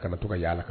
Ka to ka yaala